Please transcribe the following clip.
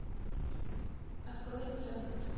открой интернет